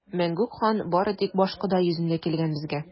Мәңгүк хан бары тик башкода йөзендә килгән безгә!